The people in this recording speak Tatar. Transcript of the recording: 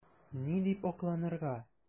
Ни дип акланырга?